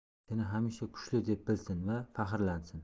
seni hamisha kuchli deb bilsin va faxrlansin